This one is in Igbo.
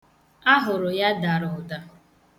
Ahụrụ ya dara ụda.